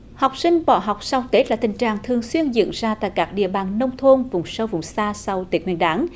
học sinh bỏ học sau tết là tình trạng thường xuyên diễn ra tại các địa bàn nông thôn vùng sâu vùng xa sau tết nguyên đán